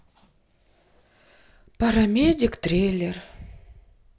парамедик трейлер